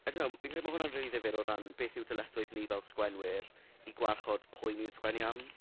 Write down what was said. I don't know. Fi'n credu bod hwnna'n rili ddifyr o ran beth yw dyletswydd ni fel sgwennwyr, i gwarchod pwy ni'n sgwennu am?